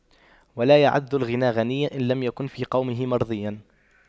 ولا يعد ذو الغنى غنيا إن لم يكن في قومه مرضيا